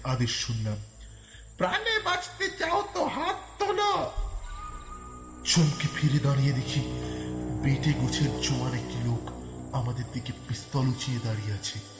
আদেশ শুনলাম প্রাণে বাঁচতে চাও তো হাত তোল চমকে ফিরে দাঁড়িয়ে দেখি বেটে গোছের জোয়ান একটি লোক আমাদের দিকে পিস্তল উচিয়ে দাঁড়িয়ে আছে